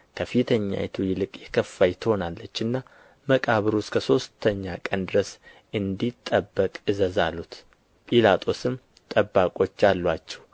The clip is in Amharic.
ከፊተኛይቱ ይልቅ የከፋች ትሆናለችና መቃብሩ እስከ ሦስተኛ ቀን ድረስ እንዲጠበቅ እዘዝ አሉት ጲላጦስም ጠባቆች አሉአችሁ